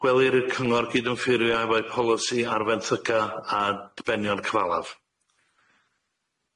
Gwelir i'r cyngor gydymffurfio efo'u polisi ar fenthyga a dibenion cyfalaf.